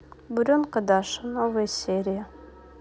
буренка даша новые песни